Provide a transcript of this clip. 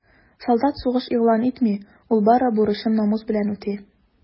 Солдат сугыш игълан итми, ул бары бурычын намус белән үти.